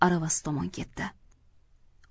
aravasi tomon ketdi